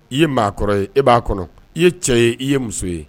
I ye maa kɔrɔ ye e b'a kɔnɔ i ye cɛ ye i ye muso ye